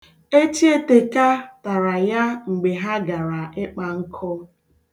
Echieteka tara ya mgbe ha gara ịkpa nkụ.